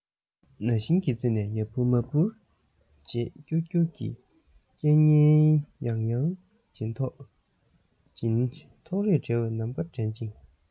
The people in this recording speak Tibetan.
ན ཤིང གི རྩེ ནས ཡར འཕུར མར འཕུར བྱེད ཀྱུར ཀྱུར གྱི སྐད སྙན ཡང ཡང འབྱིན ཐོགས རེག བྲལ བའི ནམ མཁའ དྲན ཅིང